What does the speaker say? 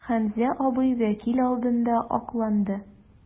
Хәмзә абый вәкил алдында акланды.